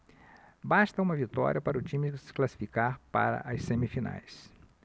basta uma vitória para o time se classificar para as semifinais